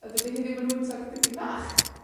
a dydi hi ddim yn wyntog dipyn bach.